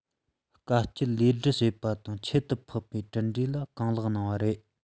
དཀའ སྤྱད ལས སྒྲུབ བྱེད པ དང ཁྱད དུ འཕགས པའི གྲུབ འབྲས ལ གང ལེགས གནང བ རེད